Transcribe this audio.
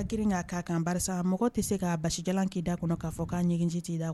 Grin''a karisa mɔgɔ tɛ se k ka basija k'i da kɔnɔ k'a fɔ k'a ɲɛigin t' da kɔnɔ